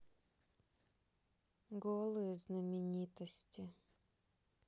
голые знаменитости